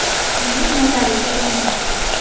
uni nazariga ilmasdi